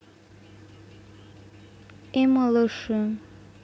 и малыши